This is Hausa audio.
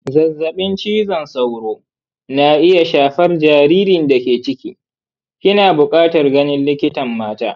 zazzaɓin cizon sauro na iya shafar jaririn da ke ciki, kina buƙatar ganin likitan mata